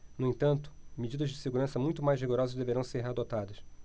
no entanto medidas de segurança muito mais rigorosas deverão ser adotadas